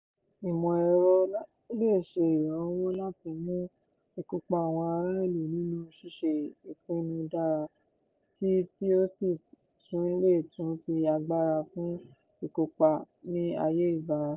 Ìmọ̀-ẹ̀rọ lè ṣe ìrànwọ́ láti mú ìkópa àwọn ará-ìlú nínú ṣíṣe-ìpinnu dára síi tí ó sì tún lè tún fi agbára fún ìkópa ní ayé ìbáraṣe.